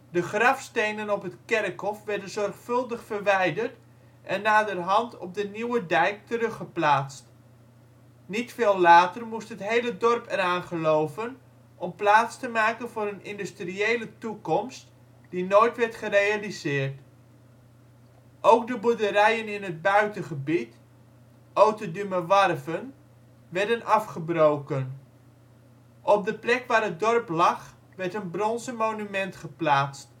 De grafstenen op het kerkhof werden zorgvuldig verwijderd en naderhand op de nieuwe dijk teruggeplaatst. Niet veel later moest het hele dorp er aan geloven om plaats te maken voor een industriële toekomst die nooit werd gerealiseerd. Ook de boerderijen in het buitengebied, Oterdumerwarven werden afgebroken. Op de plek waar het dorp lag werd een bronzen monument geplaatst